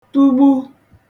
tugbu